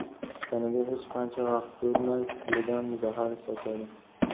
tushganiga hech qancha vaqt bo'lmay tilidan zahar sochadi